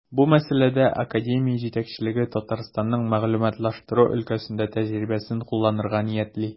Бу мәсьәләдә академия җитәкчелеге Татарстанның мәгълүматлаштыру өлкәсендә тәҗрибәсен кулланырга ниятли.